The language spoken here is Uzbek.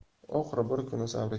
oxiri bir kuni sabri